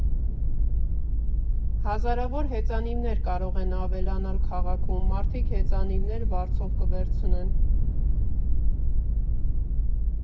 Հազարավոր հեծանիվներ կարող են ավելանալ քաղաքում, մարդիկ հեծանիվներ վարձով կվերցնեն ։